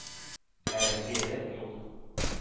Ә Россиядә юк.